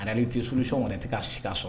Réalité, solution yɛrɛ tɛ ka se ka sɔrɔ